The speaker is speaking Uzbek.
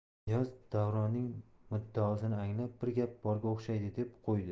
niyoz davronning muddaosini anglab bir gap borga o'xshaydi deb qo'ydi